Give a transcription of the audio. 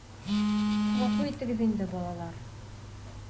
Гафу итегез инде, балалар...